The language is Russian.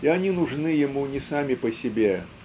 и они нужны ему не сами по себе